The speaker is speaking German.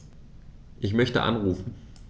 Ich möchte anrufen.